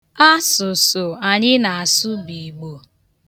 Asụsụ anyị na-asụ bụ Igbo.